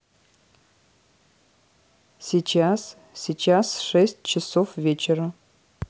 сейчас сейчас шесть часов вечера